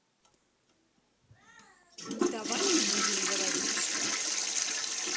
давай не будем говорить